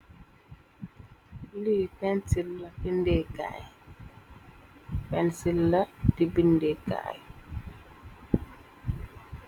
Lii pensilla, bindeekaay, pensilla di bindekaay.